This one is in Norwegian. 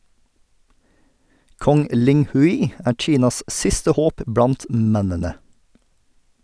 Kong Linghui er Kinas siste håp blant mennene.